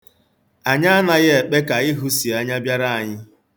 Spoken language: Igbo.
Anyị anaghị ekpe ka ịhụsi anya bịara anyị.